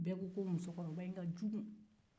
bɛɛ ko musokɔrɔba in ka kajugu